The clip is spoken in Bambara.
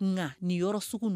Nka nin yɔrɔ sugu ninu